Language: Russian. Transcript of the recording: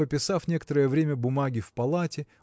пописав некоторое время бумаги в палате